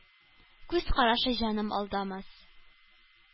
Күз карашы, җаным, алдамас.